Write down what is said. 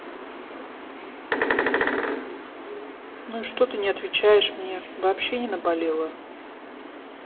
ну и что ты не отвечаешь мне вообще не наболело